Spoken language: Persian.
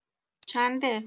چنده؟